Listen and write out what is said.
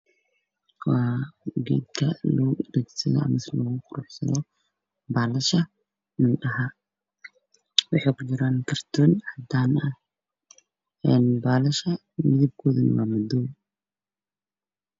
Waa geedka lugu dhagsado baalasha indhaha waxay kujiraan kartoon cadaan ah, baalasha midabkoodu waa madow.